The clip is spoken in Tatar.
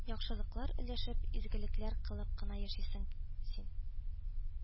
Яхшылыклар өләшеп, изгелекләр кылып кына яшисең син